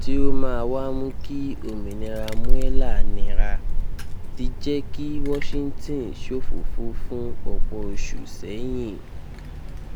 tí ó máa wá mú kí òmínira Mueller níra, ti jẹ́ kí Washington ṣòfófo fú ọ̀pọ̀ oṣù ṣẹ́yìn.